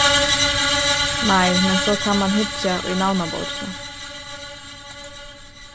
nei men so kann mann hyggja í navnabókina